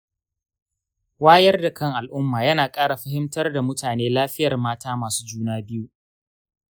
wayar da kan al'umma yana kara fahimtar da mutane lafiyar mata masu juna biyu.